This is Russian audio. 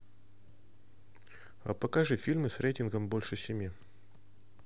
покажи фильмы с рейтингом больше семи